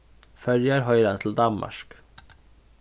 føroyar hoyra til danmark